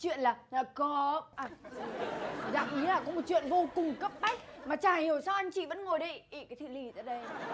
chuyện là có à đại ý là có một chuyện vô cùng cấp bách mà chả hiểu sao anh chị vẫn ngồi đây ị cái thì lì ra đây